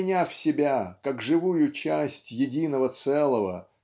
приняв себя как живую часть единого целого